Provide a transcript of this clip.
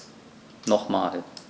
Nochmal.